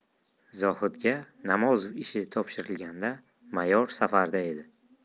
zohidga namozov ishi topshirilganda mayor safarda edi